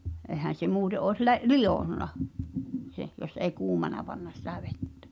eihän se muuten olisi - lionnut sen jos ei kuumana panna sitä vettä